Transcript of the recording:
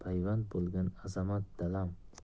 payvand bo'lgan azamat dalam